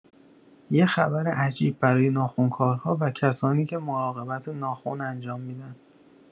یه خبر عجیب برای ناخن‌کارها و کسانی که مراقبت ناخن انجام می‌دن!